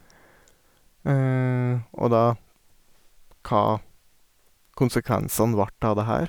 Og da hva konsekvensene vart av det her.